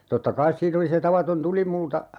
totta kai siinä oli se tavaton tulimulta